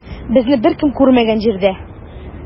Безне беркем күрмәгән җирдә.